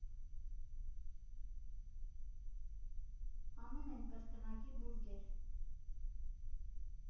֊ Անում ենք կրկնակի բուրգեր»։